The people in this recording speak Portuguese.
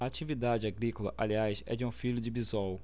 a atividade agrícola aliás é de um filho de bisol